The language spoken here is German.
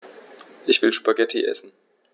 Ich will Spaghetti essen.